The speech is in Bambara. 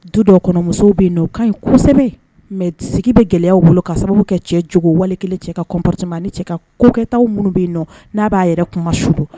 Du dɔkɔnɔmuso bɛ nɔ o ka ɲisɛbɛ mɛ sigi bɛ gɛlɛyaw bolo ka sababu kɛ cɛcogo wali kelen cɛ ka copma ni cɛ ka kokɛta minnu bɛ yen nɔ n'a b'a yɛrɛ kuma su don